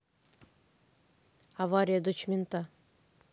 авария дочь мента